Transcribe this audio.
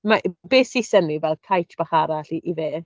Mae... be sy isie ydy fel caets bach arall i i fe.